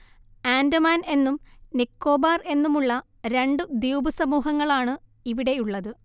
ആൻഡമാൻ എന്നും നിക്കോബാർ എന്നുമുള്ള രണ്ടു ദ്വീപുസമൂഹങ്ങളാണ് ഇവിടെയുള്ളത്